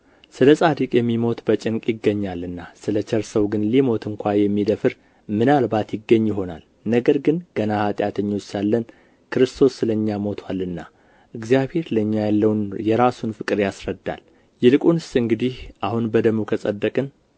ስለ ጻድቅ የሚሞት በጭንቅ ይገኛልና ስለ ቸር ሰው ግን ሊሞት እንኳ የሚደፍር ምናልባት ይገኝ ይሆናል ነገር ግን ገና ኃጢአተኞች ሳለን ክርስቶስ ስለ እኛ ሞቶአልና እግዚአብሔር ለእኛ ያለውን የራሱን ፍቅር ያስረዳል ይልቁንስ እንግዲህ አሁን በደሙ ከጸደቅን